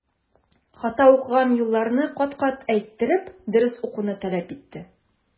Хата укылган юлларны кат-кат әйттереп, дөрес укуны таләп итте.